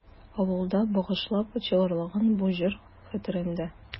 Авылга багышлап чыгарылган бу җыр хәтеремдә.